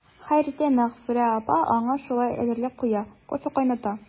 Һәр иртә Мәгъфүрә апа аңа шулай әзерләп куя, кофе кайната.